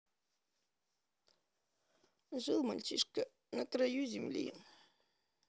жил мальчишка на краю земли